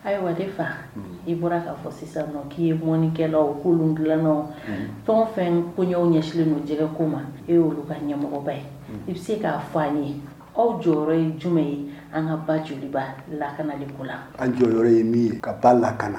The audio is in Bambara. Ayiwa ne fa i bɔra k'a fɔ sisan k'i ye mɔnikɛlaw o ko dilan tɔn fɛn ko yaw ɲɛsinlen jɛgɛgɛ ko ma e ka ɲɛmɔgɔba ye i bɛ se k'a fɔ an ye aw jɔyɔrɔ ye jumɛn ye an ka ba joliba lakanali' la an jɔyɔrɔ ye min ye ka ba lakana